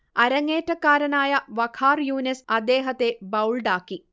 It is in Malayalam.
അരങ്ങേറ്റക്കാരനായ വഖാർ യൂനിസ് അദ്ദേഹത്തെ ബൗൾഡാക്കി